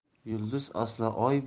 yulduz aslo oy